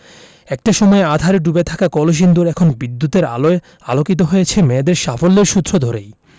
একটা সময়ে আঁধারে ডুবে থাকা কলসিন্দুর এখন বিদ্যুতের আলোয় আলোকিত হয়েছে মেয়েদের সাফল্যের সূত্র ধরেই